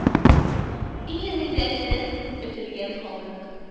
И, гыйззәтле, өтелгән халык